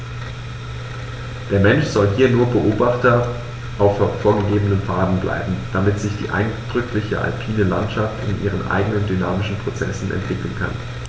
Der Mensch soll hier nur Beobachter auf vorgegebenen Pfaden bleiben, damit sich die eindrückliche alpine Landschaft in ihren eigenen dynamischen Prozessen entwickeln kann.